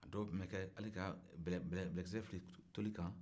dɔw tun bɛ kɛ hali ka bɛlɛkisɛ fili tɔli kan